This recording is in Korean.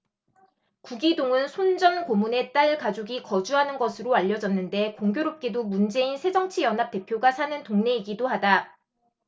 구기동은 손 전 고문의 딸 가족이 거주하는 것으로 알려졌는데 공교롭게도 문재인 새정치연합 대표가 사는 동네이기도 하다